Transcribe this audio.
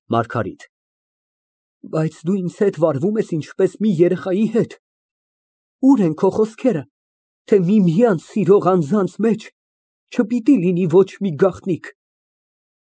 ՄԱՐԳԱՐԻՏ ֊ Բայց դու ինձ հետ վարվում ես ինչպես մի երեխայի հետ, ո՞ւր են քո խոսքերը, թե միմյանց սիրող անձանց մեջ չպիտի լինի ոչ մի գաղտնիք։